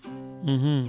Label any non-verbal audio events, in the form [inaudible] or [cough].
[hesitation] [hesitation]